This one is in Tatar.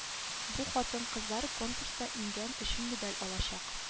Бу хатын-кызлар конкурста иңгән өчен медаль алачак